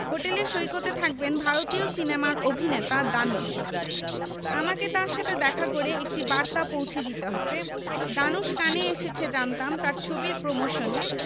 হোটেলের সৈকতে থাকবেন ভারতীয় সিনেমার অভিনেতা দানুশ আমাকে তার সাথে দেখা করে একটি বার্তা পৌঁছে দিতে হবে দানুশ কানে এসেছে জানতাম তার ছবির প্রমোশনে